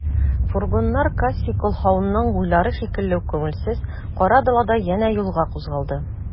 Фургоннар Кассий Колһаунның уйлары шикелле үк күңелсез, кара далада янә юлга кузгалды.